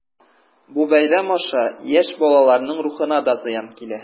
Бу бәйрәм аша яшь балаларның рухына да зыян килә.